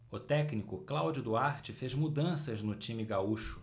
o técnico cláudio duarte fez mudanças no time gaúcho